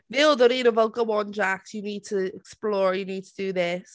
Fe odd yr un oedd fel, "Go on Jacques, you need to explore, you need to do this."